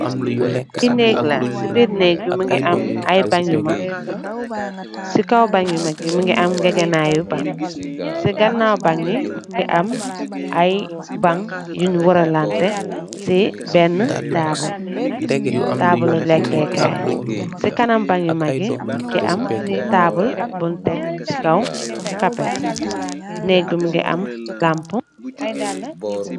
Li nl ibirn ng a ba u maci kaw ban yu magi mi ngi am ngegenayu ban ci gannaa bagi mi ngi am ay baŋ yuñ wara lante ci benn taabataabal lekkeekaay ci kanam ban yu magi mi ngi am taabal bun tek ci kaw kapet négg bi mingi am lamp.